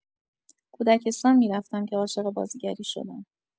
کودکستان می‌رفتم که عاشق بازیگری شدم.